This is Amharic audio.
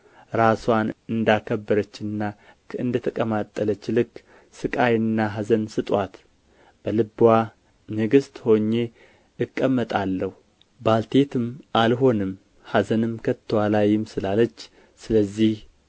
ራስዋን እንደ አከበረችና እንደ ተቀማጠለች ልክ ሥቃይና ኀዘን ስጡአት በልብዋ ንግሥት ሆኜ እቀመጣለሁ ባልቴትም አልሆንም ኀዘንም ከቶ አላይም ስላለች ስለዚህ